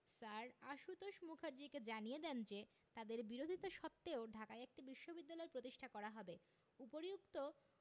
sir Ashutosh মুখার্জীকে জানিয়ে দেন যে তাঁদের বিরোধিতা সত্ত্বেও ঢাকায় একটি বিশ্ববিদ্যালয় প্রতিষ্ঠা করা হবে উপরিউক্ত